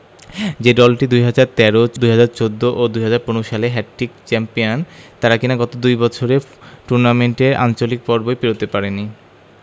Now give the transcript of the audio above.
যে দলটি ২০১৩ ২০১৪ ও ২০১৫ সালে হ্যাটট্রিক চ্যাম্পিয়ন তারা কিনা গত দুই বছরে টুর্নামেন্টের আঞ্চলিক পর্বই পেরোতে পারেনি